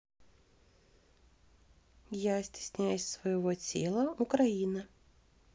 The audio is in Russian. я стесняюсь своего тела украина